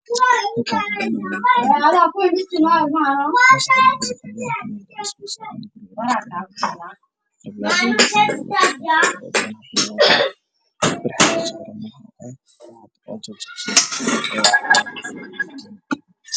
Madow cadaan waa guri villa ah